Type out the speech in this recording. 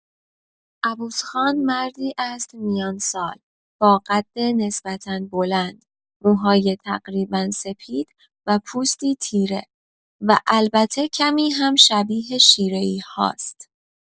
عبوس خان مردی است میان‌سال، با قد نسبتا بلند، موهای تقریبا سپید و پوستی تیره؛ و البته کمی هم شبیه شیره‌ای هاست.